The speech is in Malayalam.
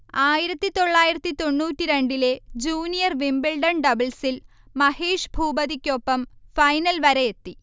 ആയിരത്തി തൊള്ളായിരത്തി തൊണ്ണൂറ്റി രണ്ടിലെ ജൂനിയർ വിംബിൾഡൺ ഡബ്ൾസിൽ മഹേഷ് ഭൂപതിക്കൊപ്പം ഫൈനൽ വരെയെത്തി